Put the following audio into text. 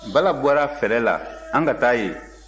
bala bɔra fɛrɛ la an ka taa yen